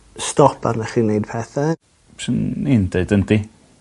stop arnoch chi wneud pethe. Swn i'n deud yndi.